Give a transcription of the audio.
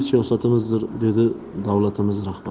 siyosatimizdir dedi davlatimiz rahbari